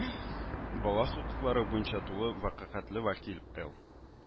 Бала хокуклары буенча Тулы вәкаләтле вәкил эЛ